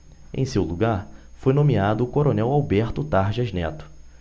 em seu lugar foi nomeado o coronel alberto tarjas neto